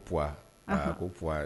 Ko p